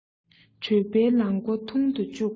གྲོད པའི ལག མགོ ཐུང དུ བཅུག པ དགའ